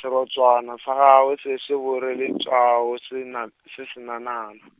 serotswana sa gagwe se se boreletšana senak-, se senanana.